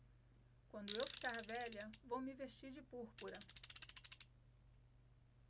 quando eu ficar velha vou me vestir de púrpura